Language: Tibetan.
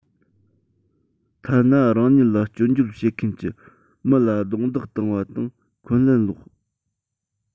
ཐ ན རང ཉིད ལ སྐྱོན བརྗོད བྱེད མཁན གྱི མི ལ རྡུང རྡེག བཏང བ དང འཁོན ལན བསློགས